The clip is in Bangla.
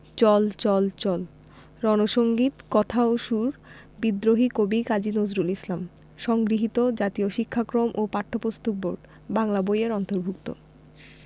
চল চল চল রন সঙ্গীত কথা ও সুর বিদ্রোহী কবি কাজী নজরুল ইসলাম সংগৃহীত জাতীয় শিক্ষাক্রম ও পাঠ্যপুস্তক বোর্ড বাংলা বই এর অন্তর্ভুক্ত